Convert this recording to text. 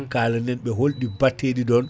kala nenɓe holɗi batteɗi ɗon